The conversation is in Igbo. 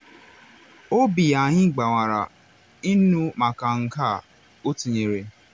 “Obi anyị gbawara ịnụ maka nke a,” o tinyere.